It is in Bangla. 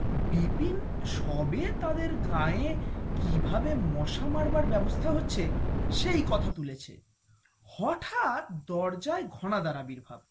বিপিন সবে তাদের গায়ে কিভাবে মশা মারার ব্যবস্থা হচ্ছে সেই কথা তুলেছে হঠাৎ দরজায় ঘনাদার আবির্ভাব